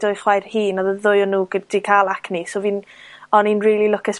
dwy chwaer hŷn, odd y ddwy o nw gy- 'di ca'l acne, so fi'n, o'n i'n rili lwcus